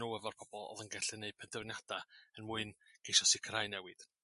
n'w efo'r pobol o'dd yn gallu neu' pendefniada' er mwyn ceisio sicrhau newid.